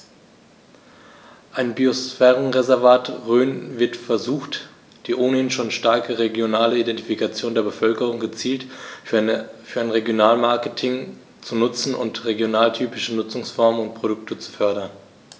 Im Biosphärenreservat Rhön wird versucht, die ohnehin schon starke regionale Identifikation der Bevölkerung gezielt für ein Regionalmarketing zu nutzen und regionaltypische Nutzungsformen und Produkte zu fördern.